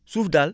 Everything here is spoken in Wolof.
suuf daal